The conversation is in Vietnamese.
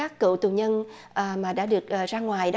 các cựu tù nhân à mà đã được đưa ra ngoài